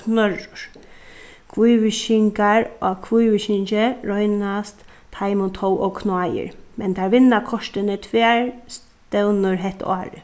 knørrur kvívíkingar á kvívíkingi roynast teimum tó ov knáir men teir vinna kortini tvær stevnur hetta árið